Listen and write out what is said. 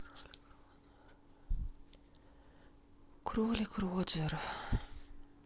кролик роджер